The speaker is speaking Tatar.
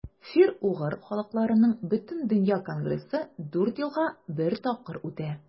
Фин-угыр халыкларының Бөтендөнья конгрессы дүрт елга бер тапкыр үтә.